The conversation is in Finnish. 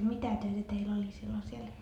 mitä töitä teillä oli silloin siellä